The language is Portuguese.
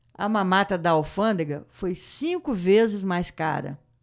a mamata da alfândega foi cinco vezes mais cara